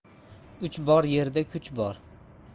uch bor yerda kuch bor